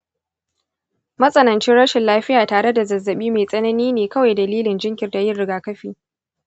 matsanancin rashin lafiya tare da zazzabi mai tsanani ne kawai dalilin jinkirta yin rigakafi.